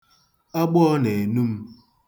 Agbọọ na-enu m.